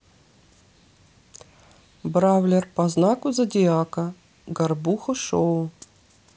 бравлер по знаку зодиака горбуха шоу